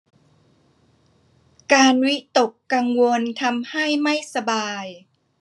การวิตกกังวลการวิตกกังวลทำให้ไม่สบาย